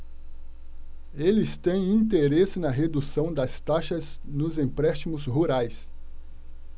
eles têm interesse na redução das taxas nos empréstimos rurais